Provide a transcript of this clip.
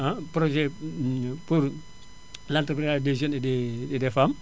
projet pour l' entreprenariat des jeunes et des et des femmes